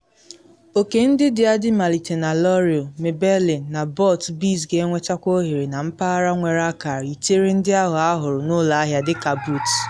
Oke ndị dị adị malite na L'Oreal, Maybelline na Burt’s Bees ga-enwetakwa oghere na mpaghara nwere akara yitere ndị ahụ ahụrụ n’ụlọ ahịa dị ka Boots.